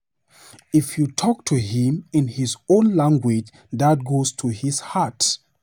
If you talk to him in his own language that goes to his heart."